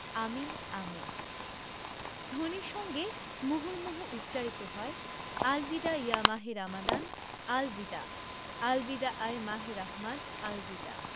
আমিন আমিন ধ্বনির সঙ্গে মুহুর্মুহু উচ্চারিত হয় আল বিদা ইয়া মাহে রমাদান আল বিদা আল বিদা আয় মাহে রহমাত আল বিদা